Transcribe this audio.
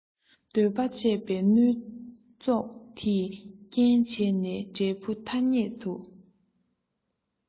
འདོད པ སྤྱད པས མནོལ བཙོག དེས རྐྱེན བྱས ནས འབྲས བུའི ཐ སྙད དུ